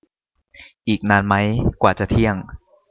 อีกนานไหมกว่าจะเที่ยง